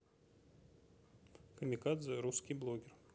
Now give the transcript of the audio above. камикадзе русский блогер